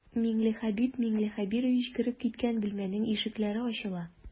Миңлехәбиб миңлехәбирович кереп киткән бүлмәнең ишекләре ачыла.